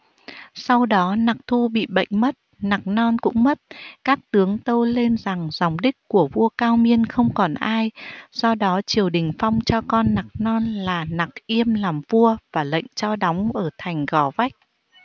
sau đó nặc thu bị bệnh mất nặc non cũng mất các tướng tâu lên rằng dòng đích của vua cao miên không còn ai do đó triều đình phong cho con nặc non là nặc yêm làm vua và lệnh cho đóng ở thành gò vách